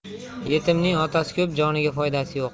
yetimning otasi ko'p joniga foydasi yo'q